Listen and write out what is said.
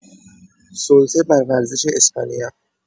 سلطه بر ورزش اسپانیا